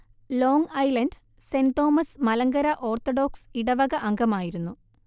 long Island Saint Thomas Malankara Orthodox ഇടവക അംഗമായിരുന്നു